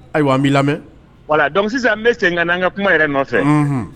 Ayiwa an b'i lamɛn wala dɔn sisan an bɛ sen nka n' an ka kuma yɛrɛ nɔfɛ